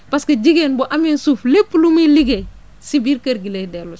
parce que jigéen bu amee suuf lépp lu muy liggéey si biir kër gi lay dellu si